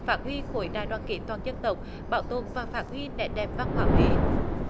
phát huy khối đại đoàn kết toàn dân tộc bảo tồn và phát huy nét đẹp văn hóa huế